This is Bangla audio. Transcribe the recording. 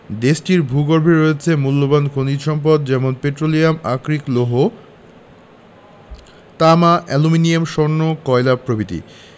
দেশটির ভূগর্ভে রয়েছে মুল্যবান খনিজ সম্পদ যেমন পেট্রোলিয়াম আকরিক লৌহ তামা অ্যালুমিনিয়াম স্বর্ণ কয়লা প্রভৃতি